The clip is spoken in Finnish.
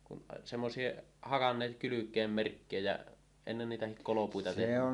kun semmoisia hakanneet kylkeen merkkiä ja ennen niitäkin kolopuita tehneet